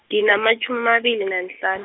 nginamatjhumi amabili nanhlanu.